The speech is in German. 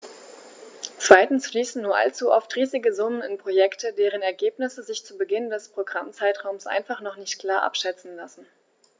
Zweitens fließen nur allzu oft riesige Summen in Projekte, deren Ergebnisse sich zu Beginn des Programmzeitraums einfach noch nicht klar abschätzen lassen.